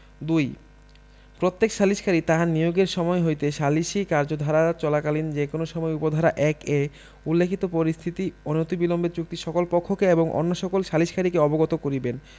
২ প্রত্যেক সালিসকারী তাহার নিয়োগের সময় হইতে সালিসী কার্যধারা চলাকালীন যে কোন সময় উপ ধারা ১ এ উল্লেখিত পরিস্থিতি অনতিবিলম্বে চুক্তির সকল পক্ষকে এবং অন্য সকল সালিসকারীকে অবগত করিবেন